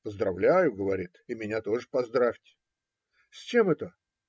"Поздравляю, говорит, и меня тоже поздравьте". - С чем это?